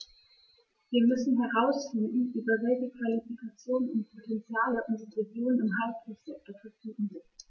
Wir müssen herausfinden, über welche Qualifikationen und Potentiale unsere Regionen im High-Tech-Sektor verfügen.